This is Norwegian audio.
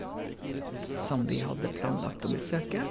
Som vi hadde planlagt å besøke.